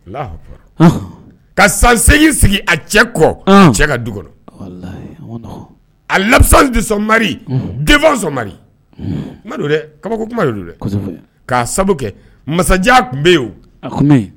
Alahu akbar anhan ka san 8 sigi a cɛ kɔ ɔnn cɛ ka du kɔnɔ walahi a ma nɔgɔn à l'absence de son mari unhun devant son mari unhun kuma don dɛ kabako kuma de don dɛ kosɛbɛ k'a sabu kɛ Masajan kun be ye o a kɔnɔ ye